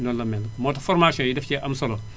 noonu la mel moo tax foramations yi daf cee am solo